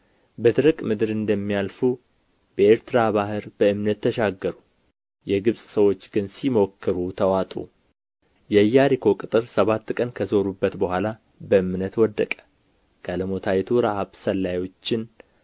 በደረቅ ምድር እንደሚያልፉ በኤርትራ ባሕር በእምነት ተሻገሩ የግብፅ ሰዎች ግን ሲሞክሩ ተዋጡ የኢያሪኮ ቅጥር ሰባት ቀን ከዞሩበት በኋላ በእምነት ወደቀ ጋለሞታይቱ ረዓብ ሰላዮችን